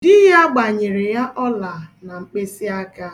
Di ya gbanyere ya ọla na mkpịsịaka